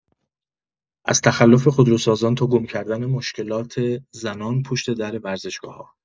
از تخلف خودروسازان تا گم‌کردن مشکلات زنان پشت در ورزشگاه‌ها